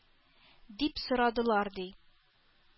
Дип сорадылар, ди.